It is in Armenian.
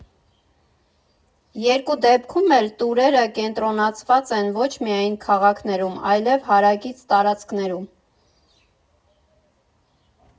Երկու դեպքում էլ տուրերը կենտրոնացված են ոչ միայն քաղաքներում, այլև հարակից տարածքներում։